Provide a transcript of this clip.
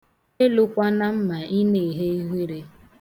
Elokwana m ma ị na-eghe ughere